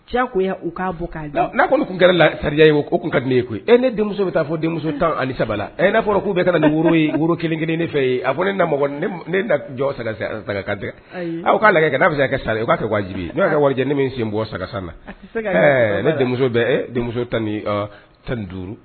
Cɛ ko u k'a bɔ k' n'a kɔni tun kɛra la ye ko kun ka die ye koyi e ne denmuso bɛ taa fɔ denmuso tan alesa e n'a fɔra k'u bɛ ka nin woro woro kelen kelen ne fɛ yen a ne ne jɔsa dɛ aw k'a lajɛ kɛ n' bɛ se a ka sara u'a fɛ wajibi n'oa ka walijan ne min sen bɔ sagasa na ne denmuso bɛ denmuso tan ni tan ni duuru